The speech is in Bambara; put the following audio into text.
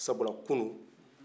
sabula kunu